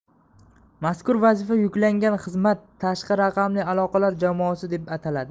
mazkur vazifa yuklangan xizmat tashqi raqamli aloqalar jamoasi deb ataladi